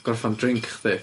Gorffan drinc chdi?